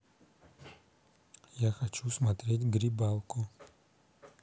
я хочу смотреть грибалку